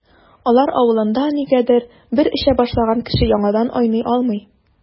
Алар авылында, нигәдер, бер эчә башлаган кеше яңадан айный алмый.